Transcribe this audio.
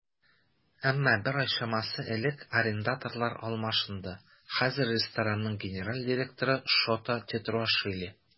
Әмма бер ай чамасы элек арендаторлар алмашынды, хәзер ресторанның генераль директоры Шота Тетруашвили.